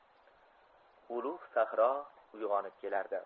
ulug' sahro uyg'onib kelardi